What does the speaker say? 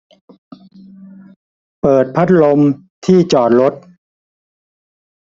เปิดพัดลมที่จอดรถ